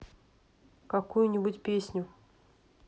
какую нибудь песню